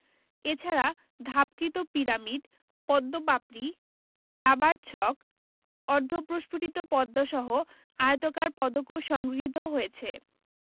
এছাড়া ধাপকৃত পিরামিড পদ্ম পাপড়ি দাবার ছক অর্ধপ্রস্ফুটিতপদ্মসহ আয়তাকার পদকও সংগৃহীত হয়েছে